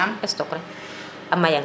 stock rek a maya nga